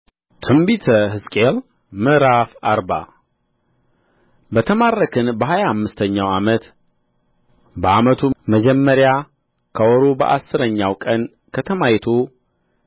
በትንቢተ ሕዝቅኤል ምዕራፍ አርባ በተማረክን በሀያ አምስተኛው ዓመት በዓመቱ መጀመሪያ ከወሩ በአሥረኛው ቀን ከተማይቱ